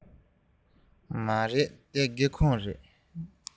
མ རེད འདི སྒེའུ ཁུང རེད